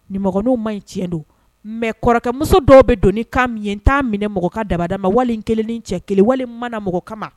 Ninmɔgɔinw ma in tiɲɛ don mɛ kɔrɔkɛmuso dɔw bɛ don' ka mi' minɛ mɔgɔ ka dabada ma wali kelen ni cɛ kelen wali mana na mɔgɔ kamama